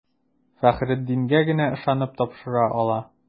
Фәхреддингә генә ышанып тапшыра ала.